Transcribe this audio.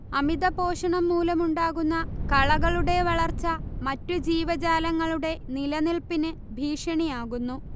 അമിതപോഷണം മൂലമുണ്ടാകുന്ന കളകളുടെ വളർച്ച മറ്റുജീവജാലങ്ങളുടെ നിലനില്പിന് ഭീഷണിയാകുന്നു